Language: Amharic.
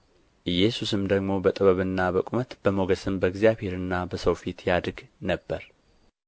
ኢየሱስም ደግሞ በጥበብና በቁመት በሞገስም በእግዚአብሔርና በሰው ፊት ያድግ ነበር